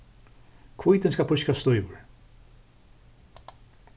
hvítin skal pískast stívur